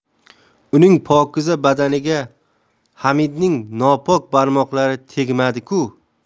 uning pokiza badaniga homidning nopok barmoqlari tegmadi ku